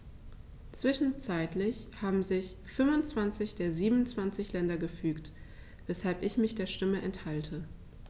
Zwischenzeitlich haben sich 25 der 27 Länder gefügt, weshalb ich mich der Stimme enthalte.